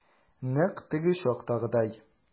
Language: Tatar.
Нәкъ теге чактагыдай.